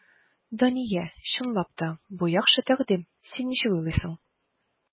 Дания, чынлап та, бу яхшы тәкъдим, син ничек уйлыйсың?